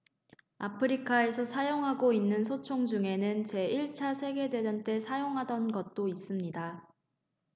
아프리카에서 사용하고 있는 소총 중에는 제 일 차 세계 대전 때 사용하던 것도 있습니다